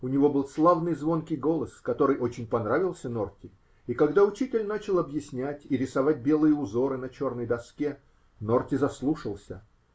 У него был славный звонкий голос, который очень понравился Норти, и когда учитель начал объяснять и рисовать белые узоры на черной доске, Норти заслушался.